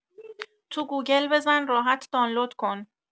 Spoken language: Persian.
تو گوگل بزن راحت دانلود کن